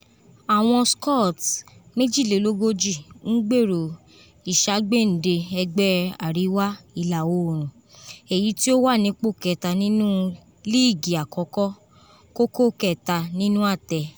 Awọn Scot, 42, n gbero iṣagbende ẹgbẹ Ariwa-Ila oorun, eyi ti o wa nipo kẹta nínú liigi Akọkọ, koko kẹta nínú atẹ.